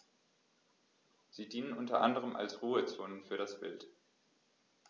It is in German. Sie dienen unter anderem als Ruhezonen für das Wild.